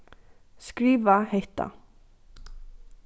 skriva hetta